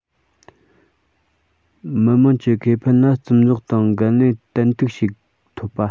མི དམངས ཀྱི ཁེ ཕན ལ བརྩི འཇོག དང འགན ལེན ཏན ཏིག ཐོབ པ